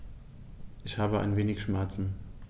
Ich habe ein wenig Schmerzen.